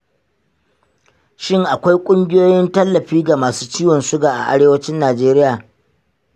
shin akwai ƙungiyoyin tallafi ga masu ciwon suga a arewacin najeriya?